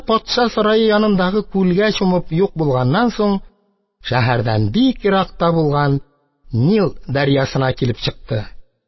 Патша сарае янындагы күлгә чумып юк булганнан соң, шәһәрдән бик еракта булган нил дәрьясына килеп чыкты.